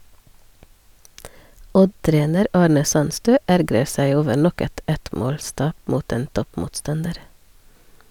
Odd-trener Arne Sandstø ergrer seg over nok et ettmålstap mot en toppmotstander.